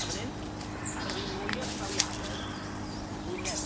A fan 'yn, ar yr un mwya trawiadol, gwyneb.